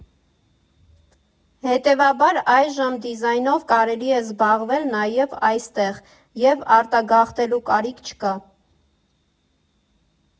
Հետևաբար այժմ դիզայնով կարելի է զբաղվել նաև այստեղ ևարտագաղթելու կարիք չկա։